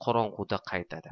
qorong'uda qaytadi